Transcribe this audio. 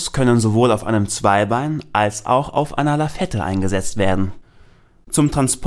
können sowohl auf einem Zweibein als auch auf einer Lafette eingesetzt werden. Als